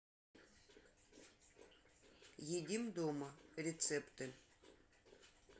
едим дома рецепты